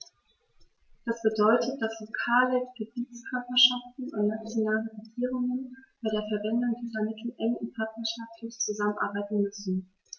Das bedeutet, dass lokale Gebietskörperschaften und nationale Regierungen bei der Verwendung dieser Mittel eng und partnerschaftlich zusammenarbeiten müssen.